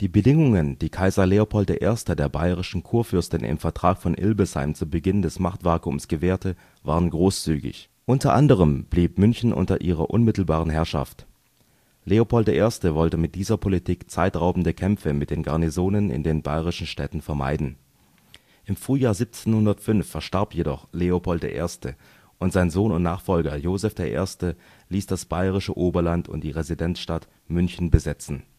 Bedingungen, die Kaiser Leopold I. der bayerischen Kurfürstin im Vertrag von Ilbesheim zu Beginn des Machtvakuums gewährte, waren großzügig. Unter anderem blieb München unter ihrer unmittelbaren Herrschaft. Leopold I. wollte mit dieser Politik zeitraubende Kämpfe mit den Garnisonen in den bayerischen Städten vermeiden. Im Frühjahr 1705 verstarb jedoch Leopold I. und sein Sohn und Nachfolger Joseph I. ließ das bayerische Oberland und die Residenzstadt München besetzen